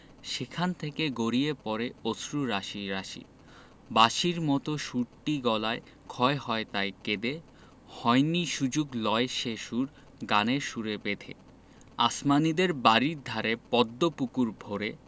সেখান দিয়ে গড়িয়ে পড়ে অশ্রু রাশি রাশি বাঁশির মতো সুরটি গলায় ক্ষয় হল তাই কেঁদে হয়নি সুযোগ লয় সে সুর গানের সুরে বেঁধে আসমানীদের বাড়ির ধারে পদ্ম পুকুর ভরে